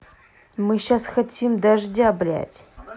мы щас хотим дождя блядь